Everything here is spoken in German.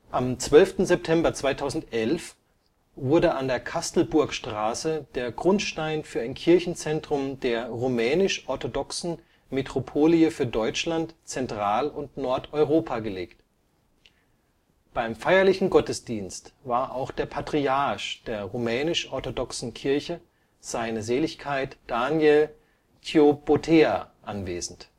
Am 12. September 2011 wurde an der Kastelburgstraße der Grundstein für ein Kirchenzentrum der Rumänisch Orthodoxen Metropolie für Deutschland, Zentral - und Nordeuropa gelegt. Beim feierlichen Gottesdienst war auch der Patriarch der Rumänisch-Orthodoxen Kirche, seine Seligkeit Daniel Ciobotea anwesend